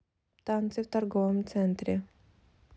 танцы в торговом центре